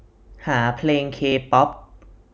หาเพลงเคป๊อป